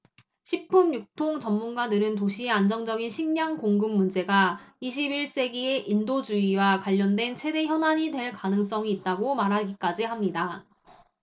식품 유통 전문가들은 도시의 안정적인 식량 공급 문제가 이십 일 세기에 인도주의와 관련된 최대 현안이 될 가능성이 있다고 말하기까지 합니다